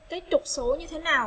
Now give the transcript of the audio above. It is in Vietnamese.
tiếp tục sống như thế nào